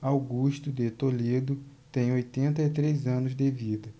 augusto de toledo tem oitenta e três anos de vida